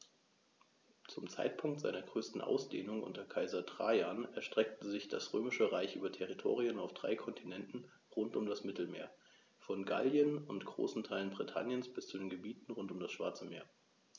Zum Zeitpunkt seiner größten Ausdehnung unter Kaiser Trajan erstreckte sich das Römische Reich über Territorien auf drei Kontinenten rund um das Mittelmeer: Von Gallien und großen Teilen Britanniens bis zu den Gebieten rund um das Schwarze Meer.